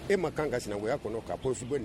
E ma kan ka sinanya kɔnɔ ka posi bɔ